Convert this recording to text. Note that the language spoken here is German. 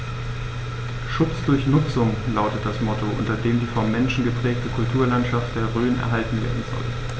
„Schutz durch Nutzung“ lautet das Motto, unter dem die vom Menschen geprägte Kulturlandschaft der Rhön erhalten werden soll.